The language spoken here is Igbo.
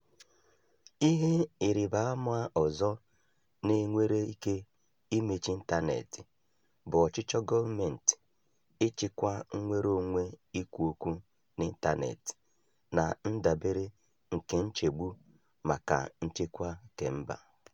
Ihe ịrịbaama ọzọ na e nwere ike imechi ịntaneetị bụ ọchịchọ gọọmentị ịchịkwa nnwere onwe ikwu okwu n'ịntaneetị na ndabere nke nchegbu maka nchekwa kemba.